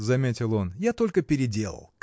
— заметил он, — я только переделал.